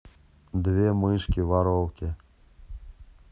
две мышки воровки